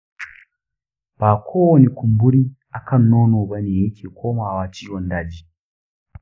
ba kowani kumburi akan nono bane yake komawa ciwon daji.